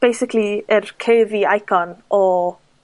basically yr curvy icon o